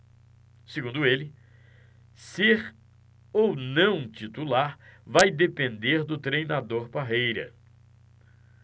segundo ele ser ou não titular vai depender do treinador parreira